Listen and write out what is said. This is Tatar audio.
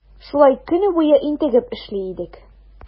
Шулай көне буе интегеп эшли идек.